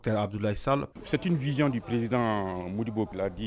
Abudula sa sati vizɔndi prezsid modi bboo bila di